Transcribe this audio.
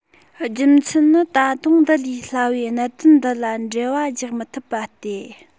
རྒྱུ མཚན ནི ད དུང འདི ལས སླ བའི གནད དོན འདི ལ འགྲེལ བ རྒྱག མི ཐུབ པ སྟེ